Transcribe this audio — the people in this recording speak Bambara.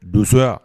Donsoya